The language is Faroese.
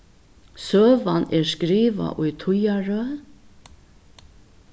søgan er skrivað í tíðarrøð